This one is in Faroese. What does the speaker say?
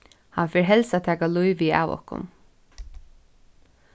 hann fer helst at taka lívið av okkum